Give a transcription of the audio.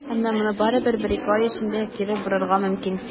Әмма моны бары бер-ике ай эчендә кире борырга мөмкин.